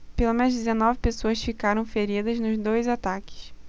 pelo menos dezenove pessoas ficaram feridas nos dois ataques